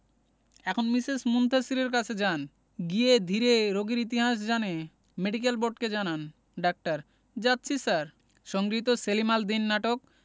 এখন মিসেস মুনতাসীরের কাছে যান গিয়ে ধীরে রোগীর ইতিহাস জানে মেডিকেল বোর্ডকে জানান ডাক্তার যাচ্ছি স্যার সংগৃহীত সেলিম আল দীন নাটক